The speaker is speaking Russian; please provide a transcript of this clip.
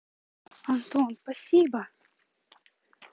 антон спасибо